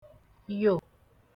yò